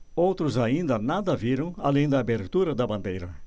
outros ainda nada viram além da abertura da bandeira